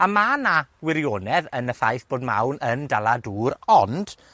A ma' 'na wirionedd yn y ffaith bod mawn yn dala dŵr, ond